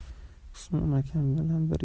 usmon akam bilan